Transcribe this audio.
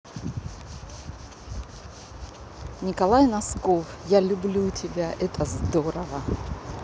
николай носков я люблю тебя это здорово